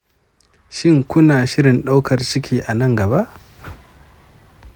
shin kuna shirin ɗaukar ciki a nan gaba?